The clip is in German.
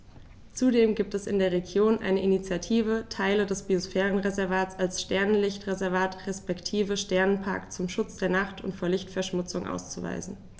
Zudem gibt es in der Region eine Initiative, Teile des Biosphärenreservats als Sternenlicht-Reservat respektive Sternenpark zum Schutz der Nacht und vor Lichtverschmutzung auszuweisen.